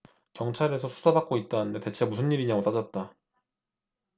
경찰에서 수사받고 있다는데 대체 무슨 일이냐고 따졌다